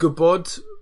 gwbod